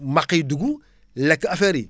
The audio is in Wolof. max yi dugg lekk affaire yi